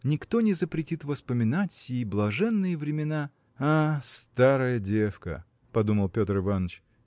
никто не запретит воспоминать сии блаженные времена. А, старая девка! – подумал Петр Иваныч.